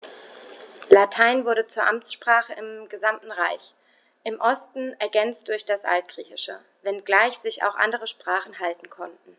Latein wurde zur Amtssprache im gesamten Reich (im Osten ergänzt durch das Altgriechische), wenngleich sich auch andere Sprachen halten konnten.